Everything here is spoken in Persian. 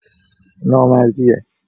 نامردیه